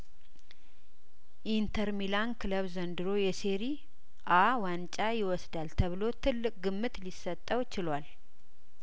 የኢንተር ሚላን ክለብ ዘንድሮ የሴሪአ ዋንጫ ይወስዳል ተብሎ ትልቅ ግምት ሊሰጠውችሏል